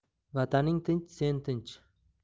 vataning tinch sen tinch